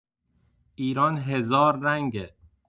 ایران هزار رنگه.